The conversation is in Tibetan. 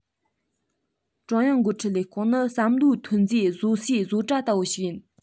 ཀྲུང དབྱང འགོ ཁྲིད ལས ཁུངས ནི བསམ བློའི ཐོན རྫས བཟོ སའི བཟོ གྲྭ ལྟ བུ ཞིག ཡིན